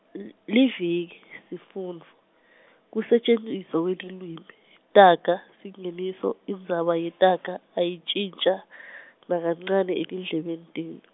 l- Liviki, sifundvo, kusetjentiswa kwelulwimi, taga, singeniso, indzaba yetaga ayintjintja , nakancane etindlebeni tenu.